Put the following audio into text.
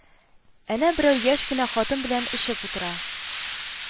Әнә берәү яшь кенә хатын белән эчеп утыра